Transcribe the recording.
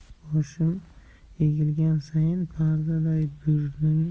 boshim egilgan sayin